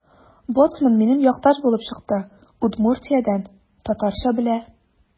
Боцман минем якташ булып чыкты: Удмуртиядән – татарча белә.